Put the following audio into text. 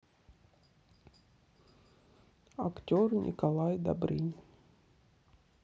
актер николай добрынин